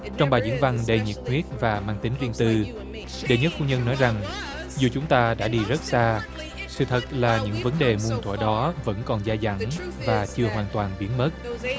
trong bài diễn văn đầy nhiệt huyết và mang tính riêng tư đệ nhất phu nhân nói rằng dù chúng ta đã đi rất xa sự thật là những vấn đề muôn thuở đó vẫn còn già dặn và chưa hoàn toàn biến mất